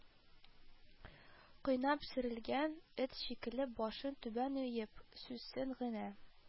Кыйнап сөрелгән эт шикелле башын түбән иеп, сүзсез генә